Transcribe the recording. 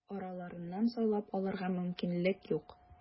Араларыннан сайлап алырга мөмкинлек юк.